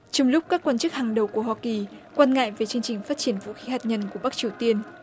trong lúc các quan chức hàng đầu của hoa kỳ quan ngại về chương trình phát triển vũ khí hạt nhân của bắc triều tiên